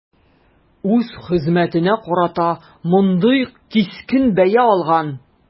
Үз хезмәтенә карата мондый кискен бәя алган.